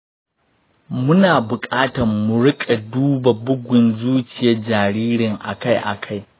muna buƙatan mu riƙa duba bugun zuciyan jaririn akai akai.